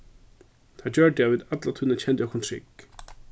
teir gjørdu at vit alla tíðina kendu okkum trygg